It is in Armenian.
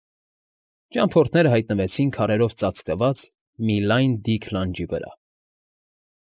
Ճամփորդները հայտնվեցին քարերով ծածկված մի լայն դիք լանջի վրա։